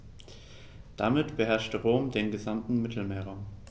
Damit beherrschte Rom den gesamten Mittelmeerraum.